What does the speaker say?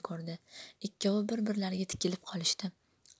ikkovi bir birlariga tikilib qolishdi